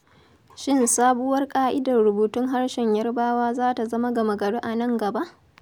Shin sabuwar ƙa'idar rubutun harshen Yarbawa za ta zama gama-gari a nan gaba?